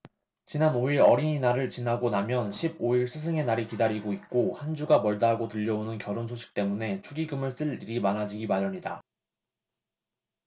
지난 오 일 어린이날을 지나고 나면 십 오 일 스승의날이 기다리고 있고 한 주가 멀다하고 들려오는 결혼 소식때문에 축의금을 쓸 일이 많아지기 마련이다